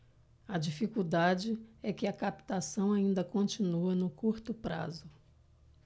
a dificuldade é que a captação ainda continua no curto prazo